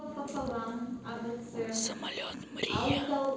самолет мрия